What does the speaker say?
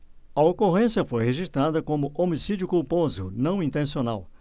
a ocorrência foi registrada como homicídio culposo não intencional